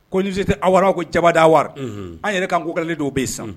Ko université Award i b'a fɔ ko Jabadawari; Unhun; An yɛrɛ ka Nko kalanden dɔw bɛ yen sisan.